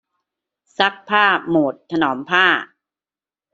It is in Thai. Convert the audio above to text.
ซักผ้าโหมดถนอมผ้า